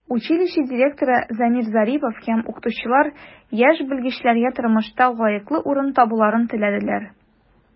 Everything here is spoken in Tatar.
Училище директоры Замир Зарипов һәм укытучылар яшь белгечләргә тормышта лаеклы урын табуларын теләделәр.